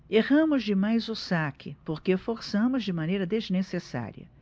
erramos demais o saque porque forçamos de maneira desnecessária